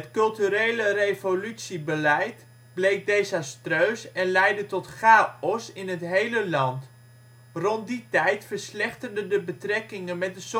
Culturele Revolutie beleid bleek desastreus en leidde tot chaos in het hele land. Rond die tijd verslechterden de betrekkingen met